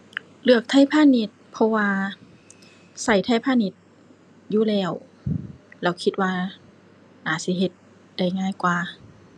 เลือกไทยพาณิชย์ เพราะว่าใช้ไทยพาณิชย์อยู่แล้ว แล้วคิดว่าอาจสิเฮ็ดได้ง่ายกว่า